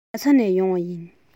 རྒྱ ཚ ནས ཡོང བ ཡིན